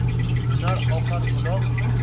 hunar oqar buloq